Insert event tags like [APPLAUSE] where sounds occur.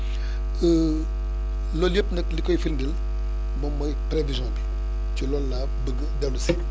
[BREATH] [HESITATION] loolu yëpp nag li koy firndeel moom mooy prévision :ra bi ci loolu laa bëgg dellu si [NOISE]